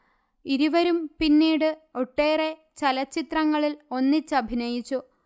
ഇരുവരും പിന്നീട് ഒട്ടേറെ ചലച്ചിത്രങ്ങളിൽ ഒന്നിച്ചഭിനയിച്ചു